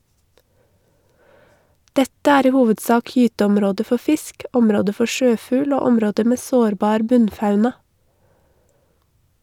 Dette er i hovedsak gyteområder for fisk, områder for sjøfugl og områder med sårbar bunnfauna.